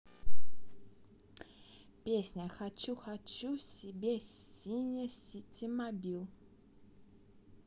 песня хочу хочу себе сине ситимобил